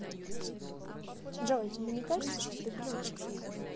джой тебе не кажется что ты глючишь